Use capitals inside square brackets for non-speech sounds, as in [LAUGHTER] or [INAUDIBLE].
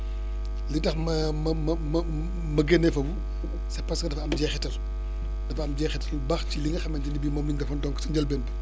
li tax ma ma ma ma [HESITATION] ma génnee foofu [NOISE] c' est parce que dafa am jeexital dafa am jeexital bu baax ci li nga xamante ni bii moom lañ defoon donc si njëlbeen ba